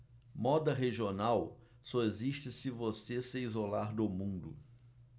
moda regional só existe se você se isolar do mundo